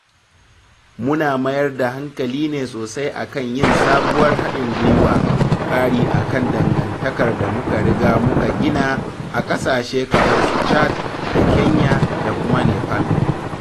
Muna mayar da hankali ne sosai a kan yin sabuwar haɗin gwiwa ƙari a kan dangantakar da muka riga muka gina a ƙasashe kamar su Chad da Kenya da kuma Nepel.